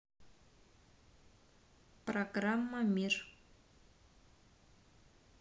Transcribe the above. программа мир